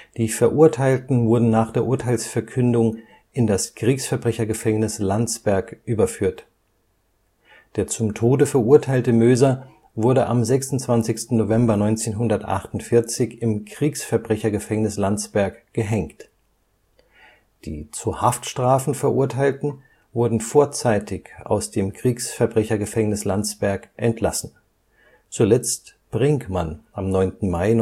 Die Verurteilten wurden nach der Urteilsverkündung in das Kriegsverbrechergefängnis Landsberg überführt. Der zum Tode verurteilte Möser wurde am 26. November 1948 im Kriegsverbrechergefängnis Landsberg gehängt. Die zu Haftstrafen Verurteilten wurden vorzeitig aus dem Kriegsverbrechergefängnis Landsberg entlassen, zuletzt Brinkmann am 9. Mai